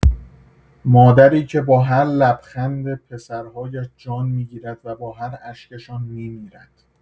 مادری که با هر لبخند پسرهایش جان می‌گیرد و با هر اشکشان می‌میرد.